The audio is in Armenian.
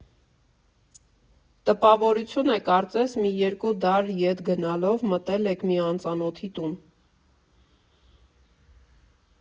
Տպավորություն է կարծես մի երկու դար ետ գնալով մտել եք մի անծանոթի տուն։